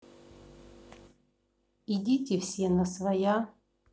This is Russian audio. идите все на своя